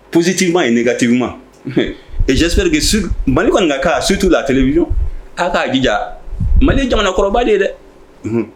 Psitigima ye niniga tigima ɛpri mali kɔni nka k'a sutu la a kelen' k'a jija mali jamanakɔrɔbaba de ye dɛhun